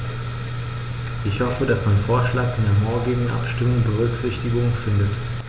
Ich hoffe, dass mein Vorschlag in der morgigen Abstimmung Berücksichtigung findet.